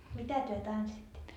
mitä te tanssitte